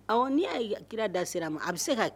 Ɔ n'i' ye kira da sira ma a bɛ se ka